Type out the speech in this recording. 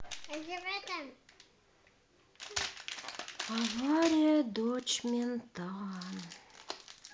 авария дочь мента